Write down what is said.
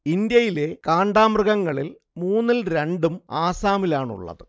ഇന്ത്യയിലെ കാണ്ടാമൃഗങ്ങളിൽ മൂന്നിൽ രണ്ടും ആസാമിലാണുള്ളത്